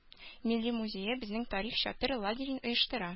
Милли музее Безнең тарих чатыр лагерен оештыра.